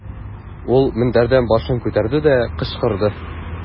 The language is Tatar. Ул мендәрдән башын күтәрде дә, кычкырды.